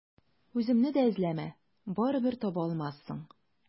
Үземне дә эзләмә, барыбер таба алмассың.